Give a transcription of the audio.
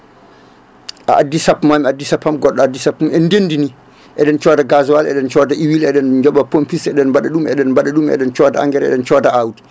a addi sappo ma mi addi sappam goɗɗo adi sappo mum en dendini eɗen cooda gasoil eɗen cooda huile eɗen jooɓa pompiste eɗen mbaɗa ɗum eɗen ɗum eɗen cooda engrais eɗen cooda awdi